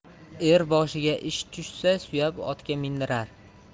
er boshiga ish tushsa suyab otga mindirar